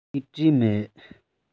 ངས བྲིས མེད